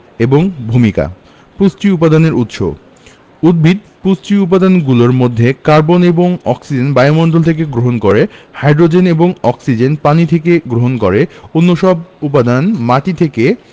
এবং ভূমিকা পুষ্টি উপাদানের উৎস উদ্ভিদ পুষ্টি উপাদানগুলোর মধ্যে কার্বন এবং অক্সিজেন বায়ুমণ্ডল থেকে গ্রহণ করে হাই্ড্রোজেন এবং অক্সিজেন পানি থেকে গ্রহণ করে অন্যসব উপাদান মাটি থেকে